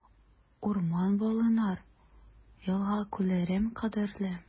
Урман-болыннар, елга-күлләрем кадерле.